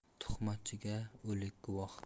tuhmatchiga o'lik guvoh